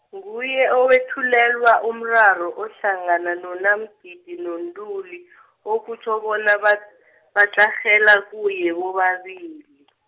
nguye owethulelwa, umraro ohlangana noNaMgidi noNtuli, okutjho bona bath- , batlarhela kuye bobabili.